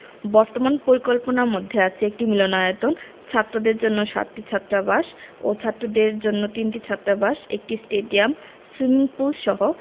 বর্তমান পরিকল্পনার মধ্যে আছে একটি মিলনায়তন ছাত্রদের জন্য সাতটি ছাত্রাবাস ও ছাত্রীদের জন্য তিনটি ছাত্রীনিবাস একটি স্টেডিয়াম সুইমিং পুলসহ